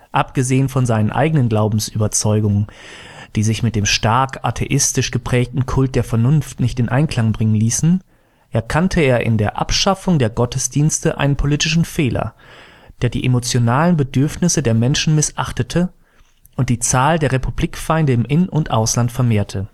Abgesehen von seinen eigenen Glaubensüberzeugungen, die sich mit dem stark atheistisch geprägten Kult der Vernunft nicht in Einklang bringen ließen, erkannte er in der Abschaffung der Gottesdienste einen politischen Fehler, der die emotionalen Bedürfnisse der Menschen missachtete und die Zahl der Republikfeinde im In - und Ausland vermehrte